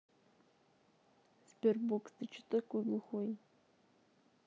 sberbox ты что такой глухой